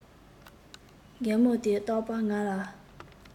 རྒན མོ དེས རྟག པར ང ལ